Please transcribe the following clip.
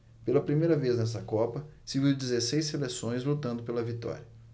pela primeira vez nesta copa se viu dezesseis seleções lutando pela vitória